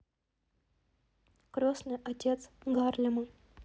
крестный отец гарлема